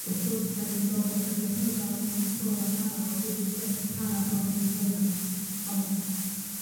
wrth gwrs, rhaid i ni gofio dydi'r rhyfel ma' nw'n sôn amdano fo ddim jyst 'di para bron i dwy flynadd, ond